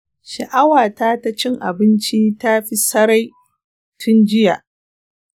sha'awa ta ta cin abinci ta fita sarai tun jiya